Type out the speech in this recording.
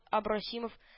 Абросимов